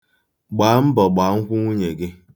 Gbaa mbọ gbaa nkwụ nwunye gị.